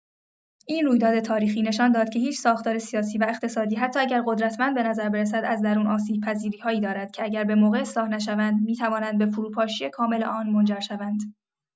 این رویداد تاریخی نشان داد که هیچ ساختار سیاسی و اقتصادی حتی اگر قدرتمند به نظر برسد، از درون آسیب‌پذیری‌هایی دارد که اگر به‌موقع اصلاح نشوند، می‌توانند به فروپاشی کامل آن منجر شوند.